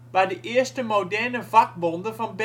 waar de eerste moderne vakbonden van